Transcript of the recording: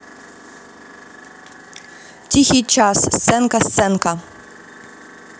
тихий час сценка сценка